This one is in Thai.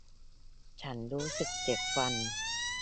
ฉันรู้สึกเจ็บฟัน